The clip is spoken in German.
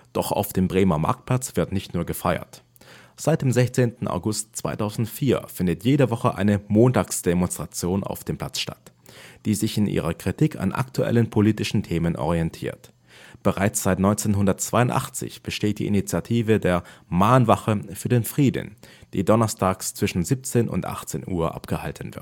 Doch auf dem Bremer Marktplatz wird nicht nur gefeiert: Seit dem 16. August 2004 findet jede Woche eine Montagsdemonstration auf dem Platz statt, die sich in ihrer Kritik an aktuellen politischen Themen orientiert. Bereits seit 1982 besteht die Initiative der Mahnwache für den Frieden, die Donnerstags zwischen 17 und 18 Uhr abgehalten